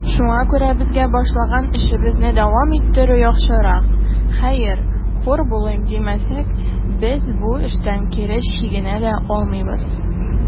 Шуңа күрә безгә башлаган эшебезне дәвам иттерү яхшырак; хәер, хур булыйк димәсәк, без бу эштән кире чигенә дә алмыйбыз.